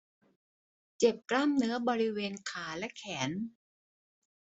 เจ็บกล้ามเนื้อบริเวณขาและแขน